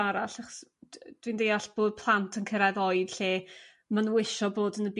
arall 'chos dwi'n deall bod plant yn cyrraedd oed lle ma' nhw isio bod yn y